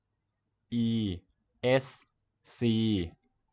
อีเอสซี